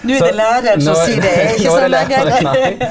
nå er det læreren som sier det er ikke sånn lenger .